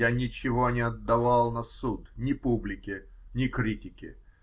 Я ничего не отдавал на суд ни публике, ни критике.